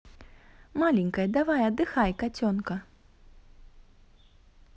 маленькая давай отдыхай котенка